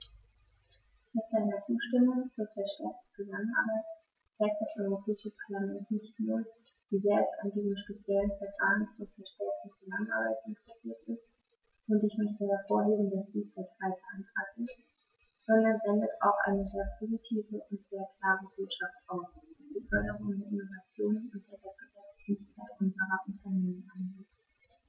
Mit seiner Zustimmung zur verstärkten Zusammenarbeit zeigt das Europäische Parlament nicht nur, wie sehr es an diesem speziellen Verfahren zur verstärkten Zusammenarbeit interessiert ist - und ich möchte hervorheben, dass dies der zweite Antrag ist -, sondern sendet auch eine sehr positive und sehr klare Botschaft aus, was die Förderung der Innovation und der Wettbewerbsfähigkeit unserer Unternehmen angeht.